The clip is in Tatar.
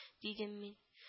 — дидем мин